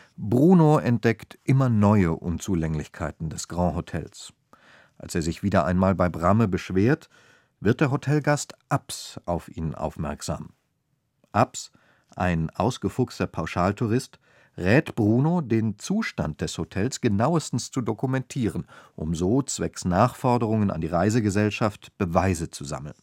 Bruno entdeckt immer neue Unzulänglichkeiten des Grand-Hotels. Als er sich wieder einmal bei Bramme beschwert, wird der Hotelgast Abs auf ihn aufmerksam. Abs, ein ausgefuchster Pauschaltourist, rät Bruno, den Zustand des Hotels genauestens zu dokumentieren, um so zwecks Nachforderungen an die Reisegesellschaft Beweise zu sammeln